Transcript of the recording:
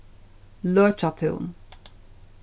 løkjatún